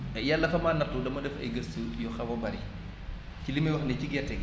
Yàlla dafa maa nattu dama def ay gëstu yu xaw a bëri ci li muy wax nii ci gerte gi